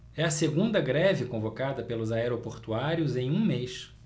é a segunda greve convocada pelos aeroportuários em um mês